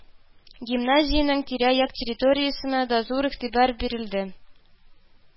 Гимназиянең тирә-як территориясенә дә зур игътибар бирелде